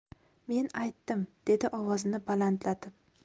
men aytdim dedi ovozini balandlatib